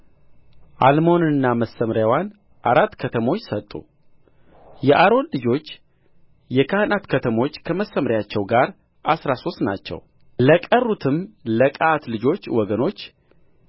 አልሞንንና መሰምርያዋን አራት ከተሞችን ሰጡ የአሮን ልጆች የካህናት ከተሞች ከመሰምርያቸው ጋር አሥራ ሦስት ናቸው ለቀሩትም ለቀዓት ልጆች ወገኖች